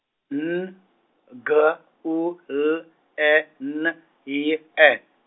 N, G, U L E N Y E.